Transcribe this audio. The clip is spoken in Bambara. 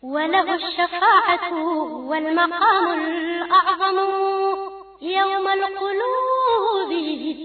Wabugu wa ɲama